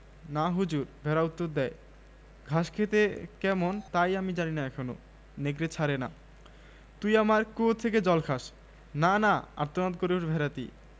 পাশের বাসার জানালা দিয়ে দুএকটি কৌতুহলী চোখ কি হচ্ছে দেখতে চেষ্টা করবে রাবেয়া বললো আমি আবার বলবো বেশ কি হয় বললে আমি কাতর গলায় বললাম সে ভারী লজ্জা রাবেয়া